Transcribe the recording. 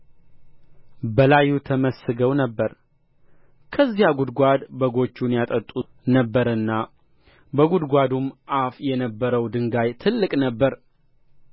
በላዩ ተመስገው ነበር ከዚያ ጕድጓድ በጎቹን ያጠጡ ነበርና በጕድጓዱም አፍ የነበረው ድንጋይ ትልቅ ነበረ